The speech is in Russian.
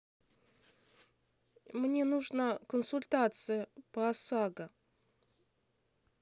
мне нужна консультация по осаго